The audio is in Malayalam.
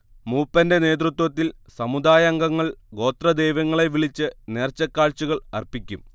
മൂപ്പന്റെ നേതൃത്വത്തിൽ സമുദായാംഗങ്ങൾ ഗോത്രദൈവങ്ങളെ വിളിച്ച് നേർച്ചക്കാഴ്ചകൾ അർപ്പിക്കും